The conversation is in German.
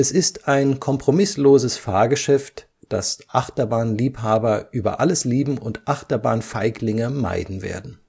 ist ein kompromissloses Fahrgeschäft, das Achterbahn-Liebhaber über alles lieben und Achterbahn-Feiglinge meiden werden